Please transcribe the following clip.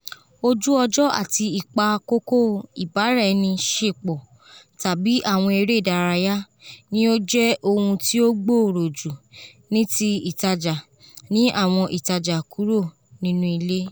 Oju ọjọ ati ipa koko ibara-ẹni-ṣepo tabi awon ere idaraya ni o jẹ ohun ti o gbooroju ni ti itaja ni awọn itaja kúrò nínú ile.